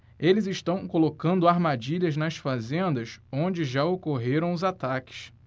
eles estão colocando armadilhas nas fazendas onde já ocorreram os ataques